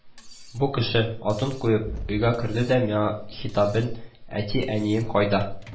Бу кеше, атын куеп, өйгә керде дә миңа хитабән: "Әти-әниең кайда